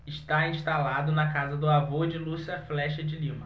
está instalado na casa do avô de lúcia flexa de lima